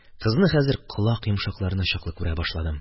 Кызны хәзер колак йомшакларына чаклы күрә башладым.